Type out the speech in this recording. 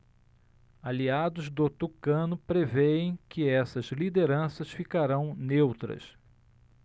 aliados do tucano prevêem que essas lideranças ficarão neutras